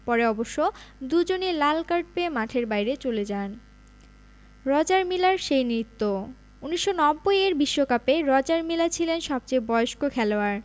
পরে অবশ্য দুজনই লাল কার্ড পেয়ে মাঠের বাইরে চলে যান রজার মিলার সেই নৃত্য ১৯৯০ এর বিশ্বকাপে রজার মিলা ছিলেন সবচেয়ে বয়স্ক খেলোয়াড়